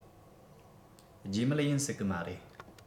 རྒྱུས མེད ཡིན སྲིད གི མ རེད